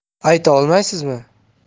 ayta olmaysizmi